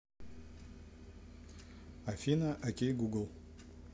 афина окей google